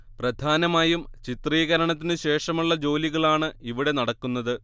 പ്രധാനമായും ചിത്രീകരണത്തിന് ശേഷമുള്ള ജോലികളാണ് ഇവിടെ നടക്കുന്നത്